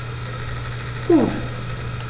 Gut.